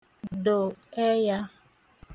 dò ẹyā